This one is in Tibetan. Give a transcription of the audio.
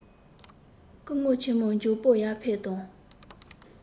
སྐུ ངོ ཆེན མོ མགྱོགས པོ ཡར ཕེབས དང